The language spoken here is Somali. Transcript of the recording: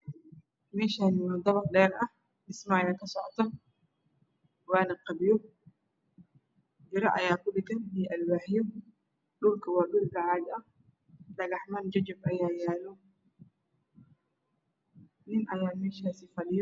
Meeshaan waa dabaq dheer dhismo ayaa kasocdo waana qabyo biro ayaa kudhagan iyo alwaaxyo. dhulkana waa dhul bacaad ah dhagaxman jajab ah ayaa yaalo. Nin ayaa meeshaas fadhiyo.